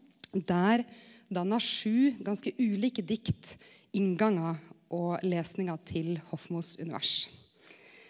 der dannar sju ganske ulike dikt inngangar og lesingar til Hofmos univers.